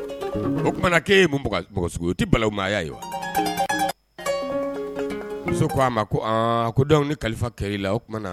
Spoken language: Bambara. O kumana k'o kumana k'ɛ ye mɔgɔ sugu jumɛn ye, k'o tɛ balawmaaya ye wa, muso k'a ma ko ɔn, ko donc ni kalifa kɛla i la o kuman